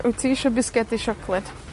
wt ti isho bisgedi siocled.